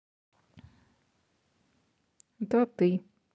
да ты